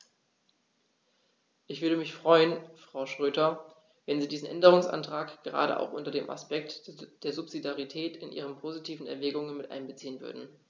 Ich würde mich freuen, Frau Schroedter, wenn Sie diesen Änderungsantrag gerade auch unter dem Aspekt der Subsidiarität in Ihre positiven Erwägungen mit einbeziehen würden.